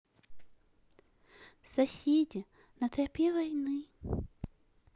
соседи на тропе войны